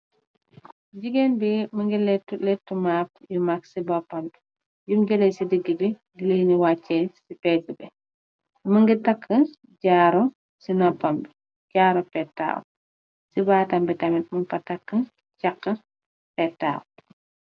Jigeen bi mugii lèttu lèttu map yu mak si bópam bi, yum jali si digibi li mu waccè si pega bi. Mugii takka jaru si nopam bi, jaru pettaw. Si batam bi tamid mug fa takka cáxi pettaw.